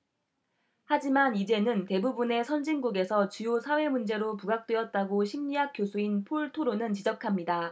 하지만 이제는 대부분의 선진국에서 주요 사회 문제로 부각되었다고 심리학 교수인 폴 토로는 지적합니다